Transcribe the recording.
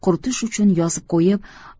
quritish uchun yozib qo'yib